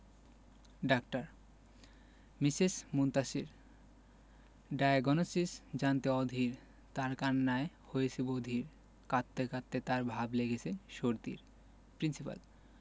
doctor Mrs Muntasir diagnosis জানতে অধীর তার কান্নায় হয়েছি বধির কাঁদতে কাঁদতে তার ভাব লেগেছে সর্দির প্রিন্সিপাল